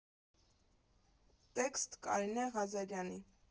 Տեքստ՝ Կարինե Ղազարյանի։